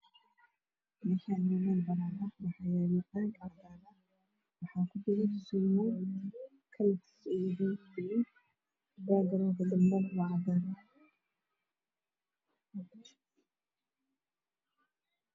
Meeshaan waa meel banaan ah waxaa yaalo baag cad waxaa kudadan surwaal buluug ah. Baagaroonka dambe waa cadaan.